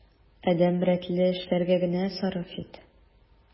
Адәм рәтле эшләргә генә сарыф ит.